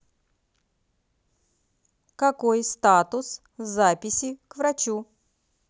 какой статус записи к врачу